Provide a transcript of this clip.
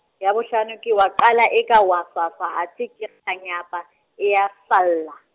ya bohlano ke wa qala eka wa phafa athe ke kganyapa, eya falla.